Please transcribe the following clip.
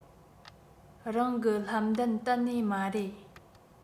རང གི ལྷམ གདན གཏན ནས མ རེད